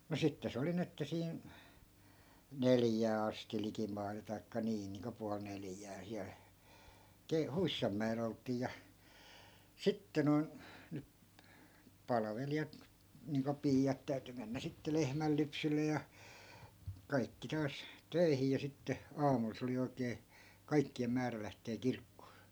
mutta sitten se oli niin että siinä neljään asti likimailla tai niin niin kuin puoli neljään siellä - huissanmäellä oltiin ja sitten noin nyt palvelijat niin kuin piiat täytyi mennä sitten lehmänlypsylle ja kaikki taas töihin ja sitten aamulla se oli oikein kaikkien määrä lähteä kirkkoon